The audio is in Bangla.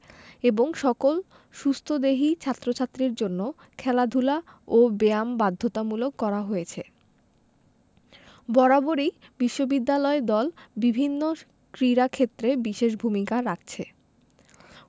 এবং সকল সুস্থদেহী ছাত্র ছাত্রীর জন্য খেলাধুলা ও ব্যায়াম বাধ্যতামূলক করা হয়েছে বরাবরই বিশ্ববিদ্যালয় দল বিভিন্ন ক্রীড়াক্ষেত্রে বিশেষ ভূমিকা রাখছে